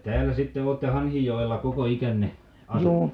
ja täällä sitten olette Hanhijoella koko ikänne asunut